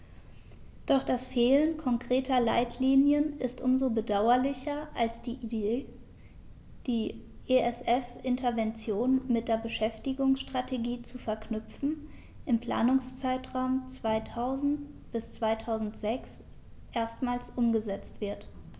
Doch das Fehlen konkreter Leitlinien ist um so bedauerlicher, als die Idee, die ESF-Interventionen mit der Beschäftigungsstrategie zu verknüpfen, im Planungszeitraum 2000-2006 erstmals umgesetzt wird.